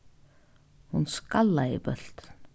hon skallaði bóltin